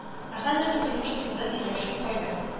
Ә хәзерге тормыш турында сөйләшү кайда